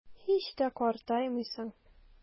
Һич тә картаймыйсың.